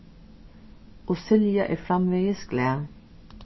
og silja er framvegis glað